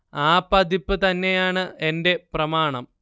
ആ പതിപ്പ് തന്നെയാണ് എന്റെ പ്രമാണം